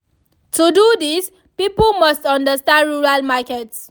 To do this, people must understand rural markets.